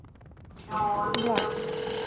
бла